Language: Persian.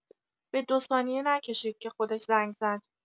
به دو ثانیه نکشید که خودش زنگ زد!